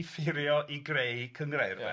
i ffeirio i greu cynghrair de. Ia.